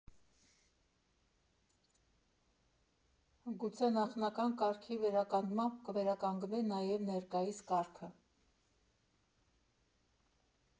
Գուցե նախնական կարգի վերականգմամբ կվերականգնվի նաև ներկայիս կարգը…